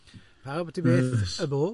Pawb at y beth, y bo.